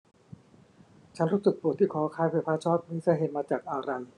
ฉันรู้สึกปวดที่คอคล้ายไฟฟ้าช็อตมีสาเหตุมากจากอะไร